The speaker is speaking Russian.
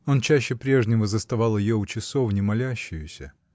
Он чаще прежнего заставал ее у часовни молящеюся.